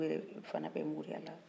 fo an yɛrɛ ka soda la yen nɔ